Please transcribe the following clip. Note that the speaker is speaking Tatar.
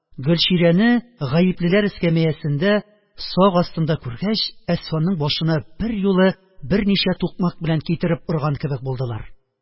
Гөлчирәне гаеплеләр эскәмиясендә, сак астында күргәч, Әсфанның башына берьюлы берничә тукмак белән китереп орган кебек булдылар